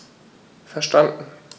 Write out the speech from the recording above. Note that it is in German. Verstanden.